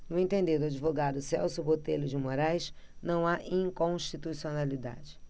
no entender do advogado celso botelho de moraes não há inconstitucionalidade